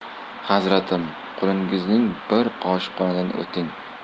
hazratim qulingizning bir qoshiq qonidan